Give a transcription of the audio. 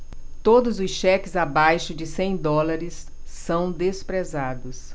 todos os cheques abaixo de cem dólares são desprezados